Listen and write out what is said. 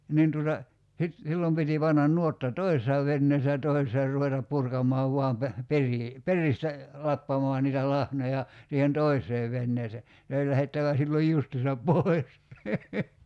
niin tuota sitten silloin piti panna nuotta toisessa veneessä ja toisessa ruveta purkamaan vain -- peristä lappamaan niitä lahnoja siihen toiseen veneeseen se oli lähdettävä silloin justiinsa pois